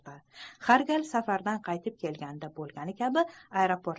har gal safardan qaytib kelganda bo'lgani kabi aeroportda